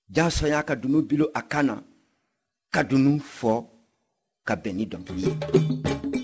jaason y'a ka dunun bila a kan na ka dunun fɔ ka bɛn ni dɔnkili ye